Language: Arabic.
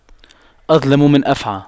أظلم من أفعى